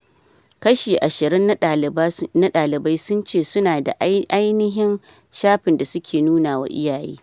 Kashi ishirin na daliban sun ce su na da “ainihin” shafin da su ke nuna ma iyaye